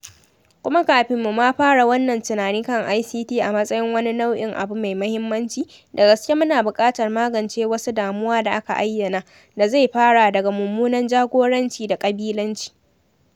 Kuma kafin mu ma fara wannan tunani kan ICT a matsayin wani nau’in “abu mai mahimmanci,” da gaske muna buƙatar magance wasu damuwa da aka ayyana, da zai fara daga mummunan jagoranci da da ƙabilanci.”